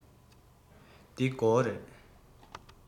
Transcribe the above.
འདི སྒོ རེད